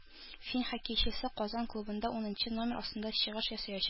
Фин хоккейчысы Казан клубында унынчы номер астында чыгыш ясаячак